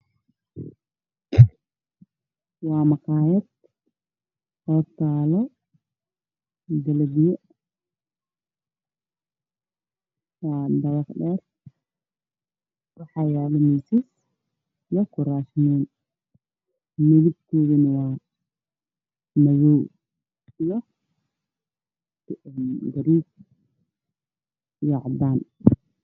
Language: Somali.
Meeshaan oo meel maqaayada oo qurux badan waxaa yaalla kuraas iyo miisaas war qurxan